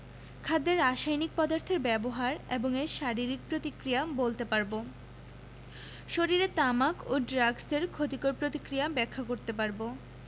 খাদ্যে রাসায়নিক পদার্থের ব্যবহার এবং এর শারীরিক প্রতিক্রিয়া বলতে পারব শরীরে তামাক ও ড্রাগসের ক্ষতিকর প্রতিক্রিয়া ব্যাখ্যা করতে পারব